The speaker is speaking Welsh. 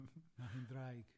M-hm. Ma' hi'n ddraig.